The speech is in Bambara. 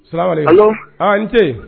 Sira an ce